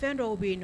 Fɛn dɔw bɛ yen